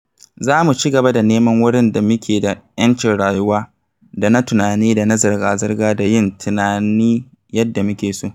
Za mu cigaba da neman wurin da muke da 'yancin rayuwa da na tunani da na zirga-zirga da yin tunani yadda muke so.